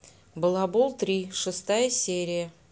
балабол три шестая серия